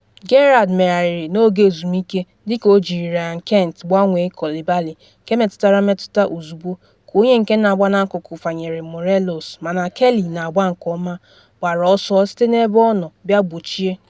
Gerrard megharịrị na oge ezumike dị ka o jiri Ryan Kent gbanwee Coulibaly nke metụrụ mmetụta ozugbo, ka onye nke na-agba n’akụkụ fanyere Morelos mana Kelly na-agba nke ọma gbara ọsọ site na ebe ọ nọ bịa gbochie.